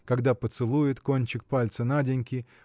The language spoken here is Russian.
когда поцелует кончик пальца Наденьки